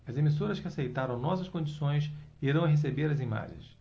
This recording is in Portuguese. as emissoras que aceitaram nossas condições irão receber as imagens